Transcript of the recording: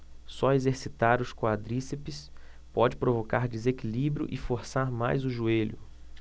só exercitar o quadríceps pode provocar desequilíbrio e forçar mais o joelho